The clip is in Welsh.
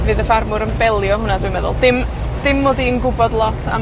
Bydd y ffermwr yn belio hwnna dwi'n meddwl. Dim, dim mod i'n gwbod lot am